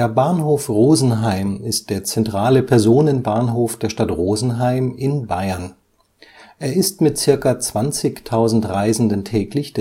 Bahnhof Rosenheim ist der zentrale Personenbahnhof der Stadt Rosenheim in Bayern. Er ist mit circa 20.000 Reisenden täglich